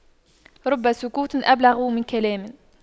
رب سكوت أبلغ من كلام